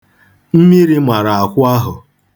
Mmiri mara akwụ ahụ.